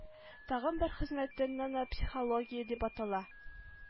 Тагын бер хезмәтем нанопсихология дип атала